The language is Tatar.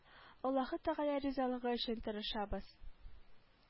Аллаһы тәгалә ризалыгы өчен тырышабыз